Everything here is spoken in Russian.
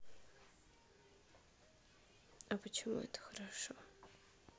а почему это хорошо